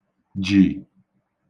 jì